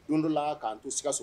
Don dɔ la k'an to sika so